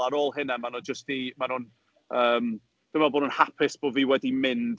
Ar ôl hynna, maen nhw jyst i... maen nhw'n, yym… Dwi'n meddwl bo' nhw'n hapus bod fi wedi mynd.